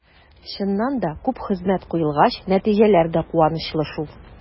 Чыннан да, күп хезмәт куелгач, нәтиҗәләр дә куанычлы шул.